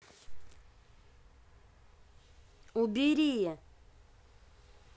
убери